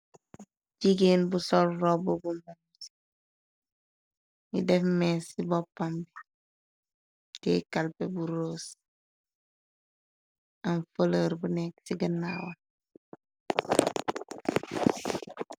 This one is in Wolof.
Jigeen bu sol rob bu munu ngi def mees ci boppam bi. Te calpe bu ros am fëlër bu nekk ci gannaawal.